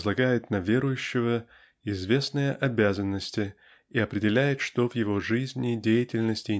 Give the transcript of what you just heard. возлагает на верующего известные обязанности и определяет что в его жизни деятельности